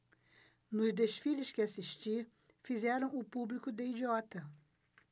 nos desfiles que assisti fizeram o público de idiota